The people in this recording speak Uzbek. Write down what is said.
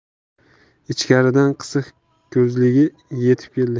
ichkaridan qisiq ko'zligi yetib keldi